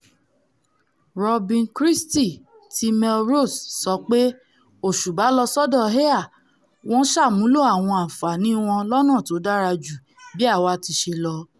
Robyn Christie ti Melrose sọ pé: ''Òṣùba lọ sọ́dọ̀ Ayr, wọ́n ṣàmúlò àwọn àǹfààní wọn lọ́nà tó dára ju bí àwa tiṣe lọ.''